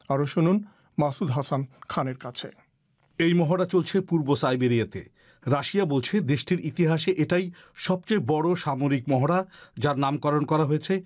আরো শুনুন মাসুদ হাসান খান এর কাছে এই মহড়া চলছে পূর্ব সাইবেরিয়াতে রাশিয়া বলছে দেশটির ইতিহাসে এটাই সবচেয়ে বড় সামরিক মহড়া যার নামকরণ করা হয়েছে